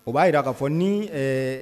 O b'a jira k'a fɔ ni